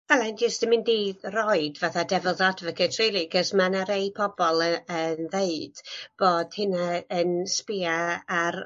Wel wy'n jyst yn mynd i roid fatha Devil's advocate rili 'c'os ma' 'ne rei pobol yy yn ddeud bod hynna yn sbïa ar